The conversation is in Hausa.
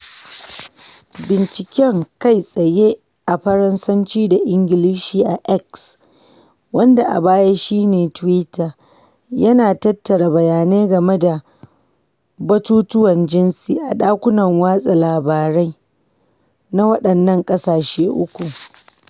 Binciken kai-tsaye a Faransanci da Ingilishi a X (wanda a baya shine Twitter) yana tattara bayanai game da batutuwan jinsi a ɗakunan watsa labarai na waɗannan ƙasashe uku.